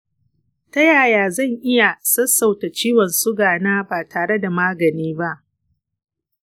ta yaya zan iya sassauta ciwon suga na ba tare da magani ba?